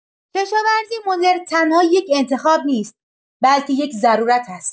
کشاورزی مدرن تنها یک انتخاب نیست، بلکه یک ضرورت است.